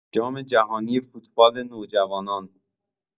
جام‌جهانی فوتبال نوجوانان